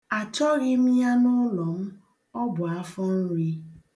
A chọghịm ya n'ụlọ m, ọ bụ afọ nri.